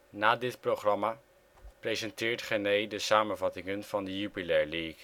Na dit programma presenteert Genee de samenvattingen van de Jupiler League